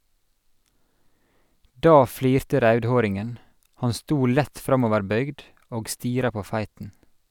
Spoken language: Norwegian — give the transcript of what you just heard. Da flirte raudhåringen ; han sto lett framoverbøygd og stira på feiten.